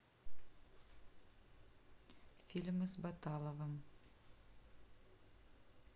фильмы с баталовым